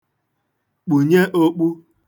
kpùnye ōkpū